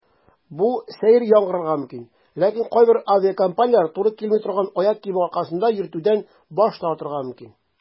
Бу сәер яңгырарга мөмкин, ләкин кайбер авиакомпанияләр туры килми торган аяк киеме аркасында йөртүдән баш тартырга мөмкин.